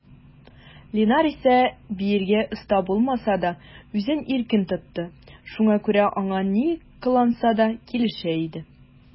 Линар исә, биергә оста булмаса да, үзен иркен тотты, шуңа күрә аңа ни кыланса да килешә иде.